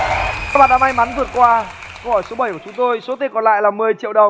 các bạn đã may mắn vượt qua câu hỏi số bảy của chúng tôi số tiền còn lại là mười triệu đồng